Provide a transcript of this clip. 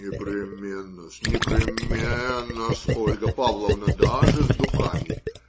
- Непременно-с, непременно-с, Ольга Павловна. Даже с духами.